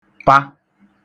pa